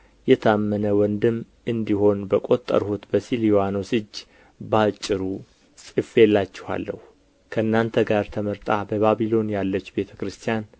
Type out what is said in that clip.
የታመነ ወንድም እንደ ሆነ በቈጠርሁት በስልዋኖስ እጅ በአጭሩ ጽፌላችኋለሁ ከእናንተ ጋር ተመርጣ በባቢሎን ያለች ቤተ ክርስቲያን